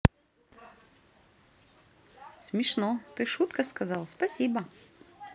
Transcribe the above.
смешно ты шутка сказал спасибо